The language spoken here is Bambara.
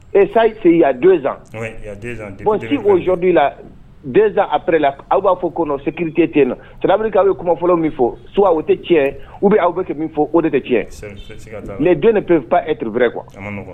Ee saseya donsan o la den arela aw b'a fɔ kɔnɔ se kirike ti na saba' aw bɛ kumafɔ min fɔ s o tɛ tiɲɛ u bɛ aw bɛ kɛ min fɔ o de tɛ tiɲɛ nin don ni pe e tiurupre kuwa